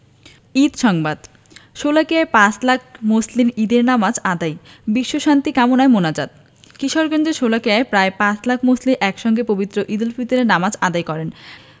ঈদ সংবাদ শোলাকিয়ায় প্রায় পাঁচ লাখ মুসল্লির ঈদের নামাজ আদায় বিশ্বশান্তি কামনায় মোনাজাত কিশোরগঞ্জের শোলাকিয়ায় প্রায় পাঁচ লাখ মুসল্লি একসঙ্গে পবিত্র ঈদুল ফিতরের নামাজ আদায় করেন